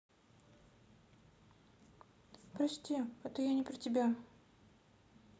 прости это я не про тебя